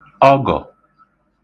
ọgọ̀